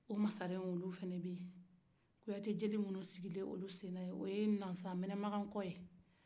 o masaren olu fɛnɛ kuyate jeli minu sigilen olu sen na o ye mansamɛnɛmakan kɔ ye